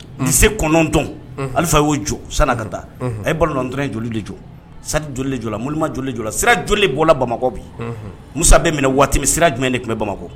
Di se kɔnɔntɔn ali y'o jɔ san ka taa a ye balima dɔrɔn joli de jɔ sadi jɔ jɔ mma jɔ jɔla sira jɔlen bɔrala bamakɔ bi musa bɛ minɛ waati min sira jumɛn de tun bɛ bamakɔ